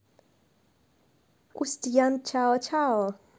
устьян чао чао